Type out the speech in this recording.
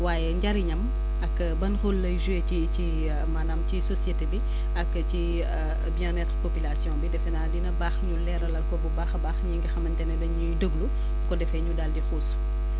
waaye njëriñam ak ban rôle lay joué ci ci maanaam ci société bi ak ci bien être population bi defee naa dina baax ñu leeralal ko bu baax a baax ñi nga xamante ne dañ ñuy déglu su ko defee ñu daal di xuus